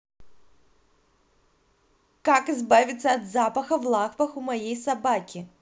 как избавиться от запаха в лапах у моей собаки